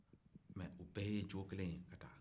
mais a bɛɛ ye jogo kelen ye ka taa